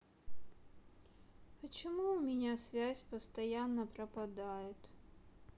почему у меня связь постоянно пропадает